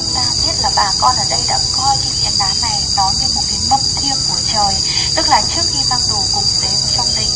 bác của chúng ta biết là bà con ở đây coi phiến đá này như một cái mâm thiêng của trời tức là trước khi mang đồ cúng tế vào trong đình